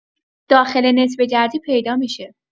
داخل نت بگردی پیدا می‌شه